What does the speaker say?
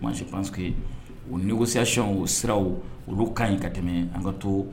Moi, je pense que o négociation o siraw olu kaɲi ka tɛmɛ an ka to